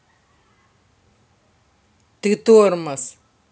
ты тормоз